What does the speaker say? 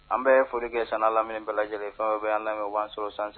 An bɛ foli kɛ san lamini bɛɛ lajɛlen fɛn bɛ an lamɛn' sɔrɔ san